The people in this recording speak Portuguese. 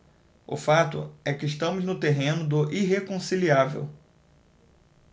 o fato é que estamos no terreno do irreconciliável